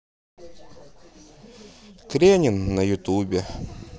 кренин на ютубе